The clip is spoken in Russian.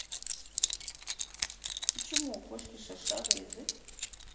почему у кошки шершавый язык